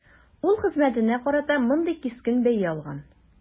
Үз хезмәтенә карата мондый кискен бәя алган.